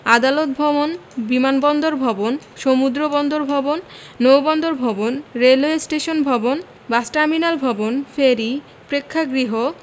আদালত ভবন বিমানবন্দর ভবন সমুদ্র বন্দর ভবন নৌ বন্দর ভবন রেলওয়ে স্টেশন ভবন বাস টার্মিনাল ভবন ফেরি প্রেক্ষাগ্রহ